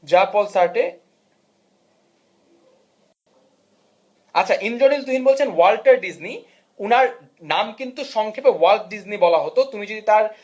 আচ্ছা ইন্দ্রনীল তুহিন বলছে Walt Disney উনার নাম কিন্তু সংক্ষেপে ওয়াল্ট ডিজনি বলা হতো তুমি যদি তার